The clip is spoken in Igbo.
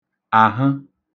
àhụ